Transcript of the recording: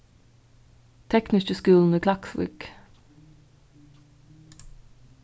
tekniski skúlin í klaksvík